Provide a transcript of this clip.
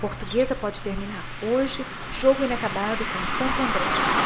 portuguesa pode terminar hoje jogo inacabado com o santo andré